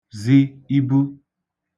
zi ibu